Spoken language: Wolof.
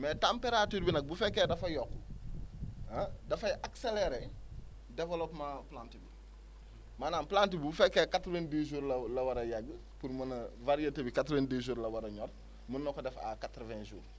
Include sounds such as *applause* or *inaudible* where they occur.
mais température bi nag bu fekkee dafa yokk *noise* ah dafay accélérer développement plante bimaanaam plante bi bu fekkee quatre bvingt dix jours la war a yegg pour mun avariété bi quatre vingt dix jours la war a ñor mun na ko def à quatre vingt jours